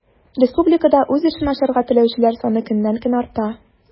Республикада үз эшен ачарга теләүчеләр саны көннән-көн арта.